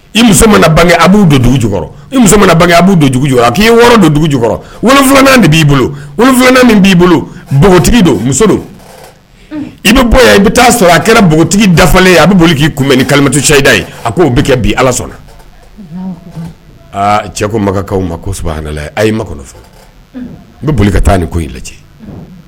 I muso mana bange a b' don dugu i muso mana bange a b'u a k'i woro don dugu filanan b'i bolo filanan min b'i bolo npogotigi don muso don i bɛ bɔ yan i bɛ taa sɔrɔ a kɛra npogotigi dafalen a bɛ boli k'i kun bɛ ni kalito ca ida ye a ko bɛ kɛ bi ala sɔnna aaa cɛ ko makankaw ma ko a ma kɔnɔ n bɛ boli ka taa ni ko i lajɛ